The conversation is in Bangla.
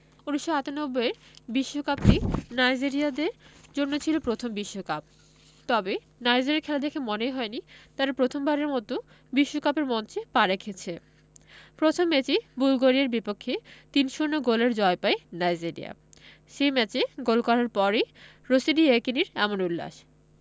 ১৯৯৮ এর বিশ্বকাপটি নাইজেরিয়ানদের জন্য ছিল প্রথম বিশ্বকাপ তবে নাইজেরিয়ার খেলা দেখে মনেই হয়নি তারা প্রথমবারের মতো বিশ্বকাপের মঞ্চে পা রেখেছে প্রথম ম্যাচেই বুলগরিয়ার বিপক্ষে ৩ ০ গোলের জয় পায় নাইজেরিয়া সে ম্যাচে গোল করার পরই রশিদী ইয়েকিনির এমন উল্লাস